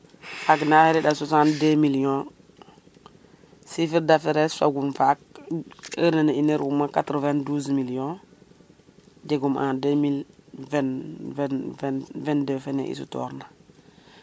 fagna a re a 62 millions chiffres d affaire es fagum faak heure nene uno ruma 92 millions jegum en 2022 fene i sutor na